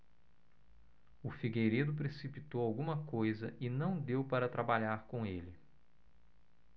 o figueiredo precipitou alguma coisa e não deu para trabalhar com ele